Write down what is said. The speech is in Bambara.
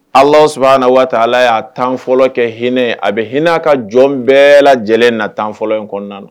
Ala s na waati ala y'a tan fɔlɔ kɛ hinɛ a bɛ h hinɛ a ka jɔn bɛɛ lajɛlen na tan fɔlɔ in kɔnɔna na